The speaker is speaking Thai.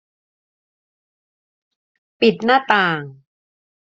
ปิดหน้าต่าง